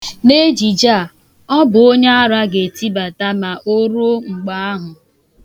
N'ejije a, ọ bụ onyeara ga-etibata ma o ruo mgbe ahụ.